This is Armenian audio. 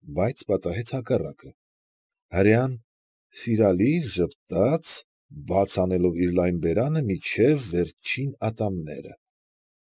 Բայց պատահեց հակառակը։ Հրեան սիրալիր ժպտաց, բաց անելով իր լայն բերանը մինչև վերջին ատամները։